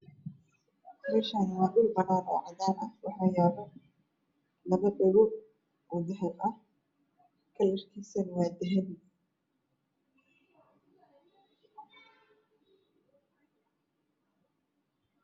Mrshsn waa dhul banan ah oo cad waxa yalo labo dhego oo dahab ah kalarkisan wa dahbi